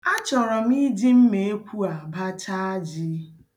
A chọrọ m iji mmeekwu a bachaa ji.